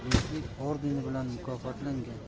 do'stlik ordeni bilan mukofotlangan